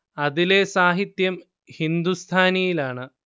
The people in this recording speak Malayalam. അതിലെ സാഹിത്യം ഹിന്ദുസ്ഥാനിയിലാണ്